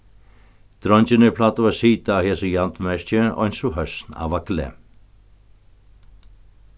dreingirnir plagdu at sita á hesum jarnverki eins og høsn á vagli